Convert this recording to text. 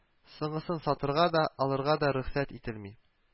Соңгысын сатырга да, алырга да рөхсәт ителми